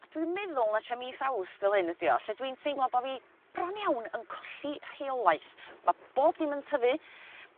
a dwi'n meddwl matsia mis Awst fel hyn ydi o lle dwi'n teimlo bo' fi bron iawn yn colli rheolaeth ma' bob dim yn tyfu